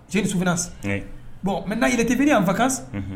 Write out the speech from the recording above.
C'est une souvenace , oui, bon, maintenant il etait venu en vacances